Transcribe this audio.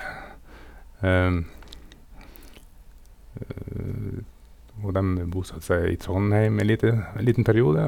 Og dem bosatte seg i Trondheim ei liten en liten periode.